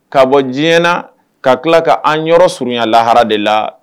Ka bɔ diɲɛɲɛna ka tila ka an yɔrɔurunya lahara de la